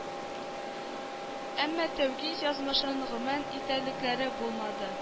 Әмма тәүгиз язмышын гөман итәрлекләре булмады